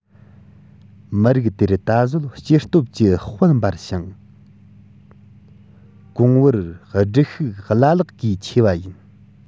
མི རིགས དེར ད གཟོད སྐྱེ སྟོབས ཀྱི དཔལ འབར ཞིང གོང བུར འགྲིལ ཤུགས བླ ལྷག གིས ཆེ བ ཡིན